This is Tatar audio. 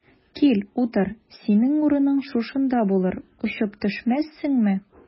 Кил, утыр, синең урының шушында булыр, очып төшмәссеңме?